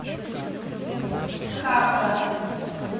хамка